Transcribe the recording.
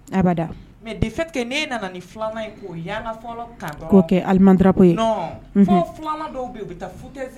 A mɛ defe ne nana ni kɛ ye dɔw